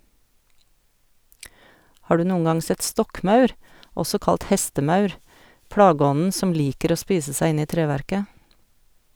Har du noen gang sett stokkmaur, også kalt hestemaur, plageånden som liker å spise seg inn i treverket?